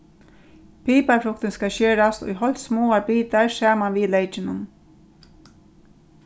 piparfruktin skal skerast í heilt smáar bitar saman við leykinum